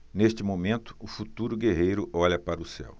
neste momento o futuro guerreiro olha para o céu